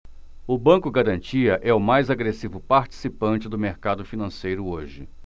o banco garantia é o mais agressivo participante do mercado financeiro hoje